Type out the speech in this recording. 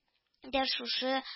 Дә шушы